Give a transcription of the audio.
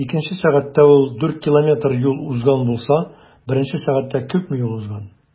Икенче сәгатьтә ул 4 км юл узган булса, беренче сәгатьтә күпме юл узган?